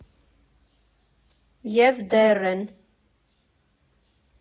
ԵՒ դեռ են։